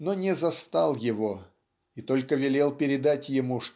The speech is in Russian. но не застал его и только велел передать ему